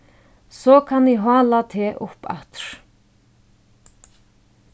so kann eg hála teg upp aftur